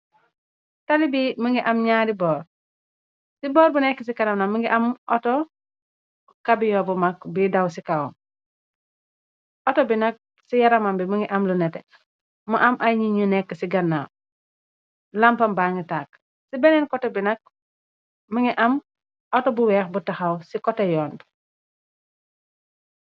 tally bi mungi am nyaari boor si boor bu nek si kanam nak mungi am oto kabiyo buy daw si kawam oto bi nak si yaramam bi mungi am lu nete mu am ay niñyi nek si ganam lampam bangi tak si bene koteh bi nak mungi am oto bu weex bu tahaw si koteh yoon bi